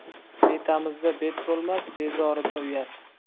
betamizda bet bo'lmas bezorida uyat